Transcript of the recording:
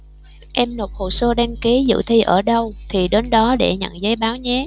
em nộp hồ sơ đăng ký dự thi ở đâu thì đến đó để nhận giấy báo nhé